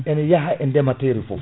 ene yaaha e ndeemateri foof